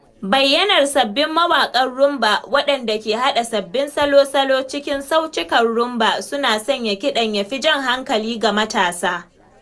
Bayyanar sabbin mawaƙan Rhumba waɗanda ke haɗa sababbin salo-salo cikin sautukan Rhumba suna sanya kiɗan ya fi jan hankali ga matasa.